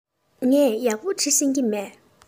ངས ཡག པོ འབྲི ཤེས ཀྱི མེད